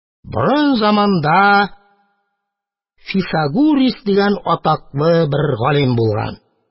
Борын заманда Фисагурис дигән атаклы бер галим булган.